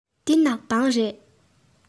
འདི ནག པང རེད